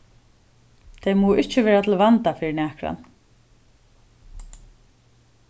tey mugu ikki vera til vanda fyri nakran